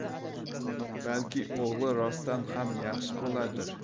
balki o'g'li rostdan ham yaxshi boladir